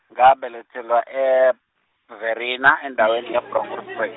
ngabelethelwa Verina, endaweni ye- Bronkhortspruit.